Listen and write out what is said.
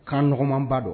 Kan nɔgɔmanba dɔ